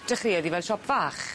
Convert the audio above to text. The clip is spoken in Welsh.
Dechreuodd 'i fel siop fach?